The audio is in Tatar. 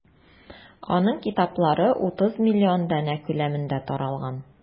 Аның китаплары 30 миллион данә күләмендә таралган.